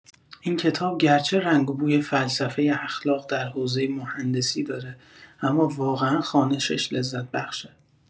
این کتاب گرچه رنگ و بوی فلسفۀ اخلاق در حوزۀ مهندسی داره اما واقعا خوانشش لذت بخشه